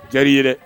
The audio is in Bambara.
Ca ye dɛ